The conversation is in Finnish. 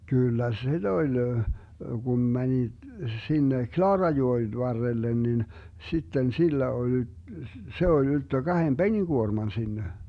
kyllä sitä oli kun meni sinne Klaarajoen varrelle niin sitten sillä oli - se oli ylttö kahden penikuorman sinne